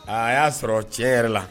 A a y'a sɔrɔ tiɲɛ yɛrɛ la